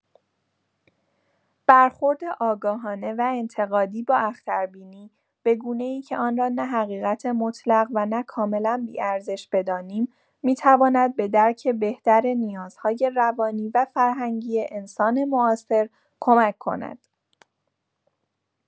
برخورد آگاهانه و انتقادی با اختربینی، به‌گونه‌ای که آن را نه حقیقت مطلق و نه کاملا بی‌ارزش بدانیم، می‌تواند به درک بهتر نیازهای روانی و فرهنگی انسان معاصر کمک کند.